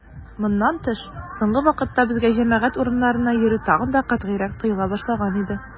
Моннан тыш, соңгы вакытта безгә җәмәгать урыннарына йөрү тагын да катгыйрак тыела башлаган иде.